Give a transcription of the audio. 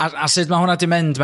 A a sud ma' hwna 'di mynd?